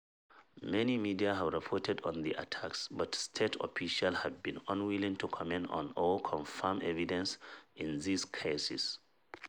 Many media have reported on the attacks, but state officials have been unwilling to comment on or confirm evidence in these cases.